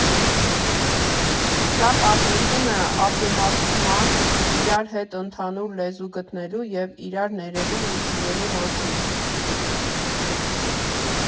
Սա պատմություն է ապրումակցման, իրար հետ ընդհանուր լեզու գտնելու և իրար ներելու ու սիրելու մասին։